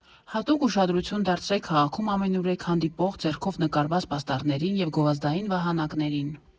Հատուկ ուշադրություն դարձրեք քաղաքում ամենուրեք հանդիպող, ձեռքով նկարված պաստառներին և գովազդային վահանակներին։